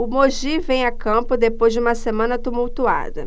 o mogi vem a campo depois de uma semana tumultuada